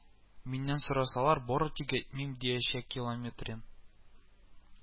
Миннән сорасалар, бары тик әйтмим диячәкилометрен